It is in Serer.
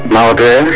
Na wotu yee